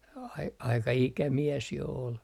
- aika ikämies jo oli